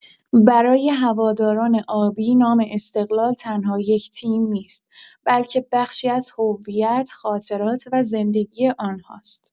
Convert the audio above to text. برای هواداران آبی، نام استقلال تنها یک تیم نیست، بلکه بخشی از هویت، خاطرات و زندگی آنهاست.